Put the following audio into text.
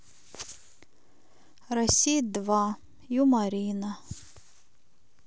россия два юморина